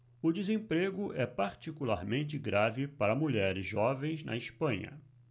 o desemprego é particularmente grave para mulheres jovens na espanha